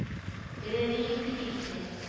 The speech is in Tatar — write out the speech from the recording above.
— дәү әбиеңне көтик инде